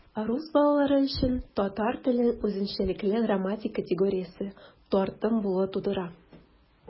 Рус балалары өчен татар теленең үзенчәлекле грамматик категориясе - тартым булуы тудыра.